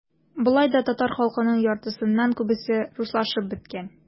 Болай да татар халкының яртысыннан күбесе - руслашып беткән.